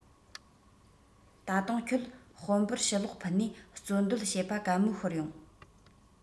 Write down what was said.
ད དུང ཁྱོད དཔོན པོར ཞུ ལོག ཕུལ ནས རྩོད འདོད བྱེད པ གད མོ ཤོར ཡོང